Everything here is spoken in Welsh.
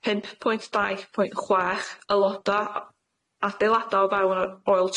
pump pwynt dau pwynt chwech aeloda' adeilada' o fewn yr oel